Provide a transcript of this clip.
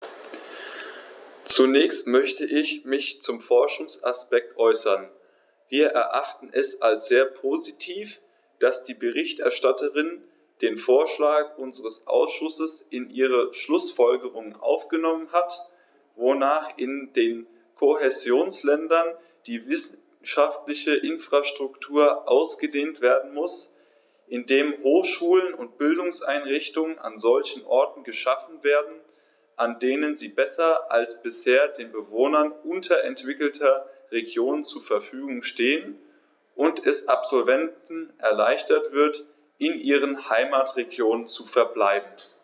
Zunächst möchte ich mich zum Forschungsaspekt äußern. Wir erachten es als sehr positiv, dass die Berichterstatterin den Vorschlag unseres Ausschusses in ihre Schlußfolgerungen aufgenommen hat, wonach in den Kohäsionsländern die wissenschaftliche Infrastruktur ausgedehnt werden muss, indem Hochschulen und Bildungseinrichtungen an solchen Orten geschaffen werden, an denen sie besser als bisher den Bewohnern unterentwickelter Regionen zur Verfügung stehen, und es Absolventen erleichtert wird, in ihren Heimatregionen zu verbleiben.